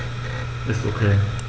Ist OK.